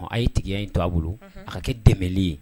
A ye tigɛya in to a bolo ka kɛ dɛmɛli ye